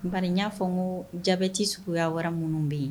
Bari n y'a fɔ n ko diabɛte suguya wɛrɛ minnu bɛ yen